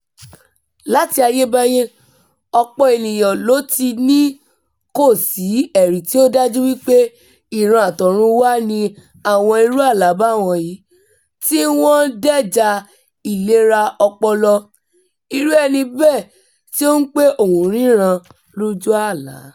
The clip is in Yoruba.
Láti ayébáyé, ọ̀pọ̀ ènìyàn ló ti ní kò sí ẹ̀rí tí ó dájú wípé ìran àt'ọ̀run wá ni àwọn irú àlá báwọ̀nyí, tí wọn ń dẹ́jàá ìlera ọpọlọ irú ẹni bẹ́ẹ̀ tí ó pé òún ríran lójú àlá.